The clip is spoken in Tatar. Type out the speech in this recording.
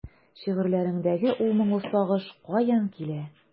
Шигырьләреңдәге ул моңлы сагыш каян килә?